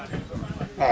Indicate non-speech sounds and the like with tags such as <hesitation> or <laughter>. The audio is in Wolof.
<crosstalk> <hesitation>